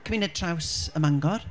cymuned traws ym Mangor.